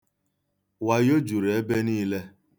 Wayo juru ebe niile.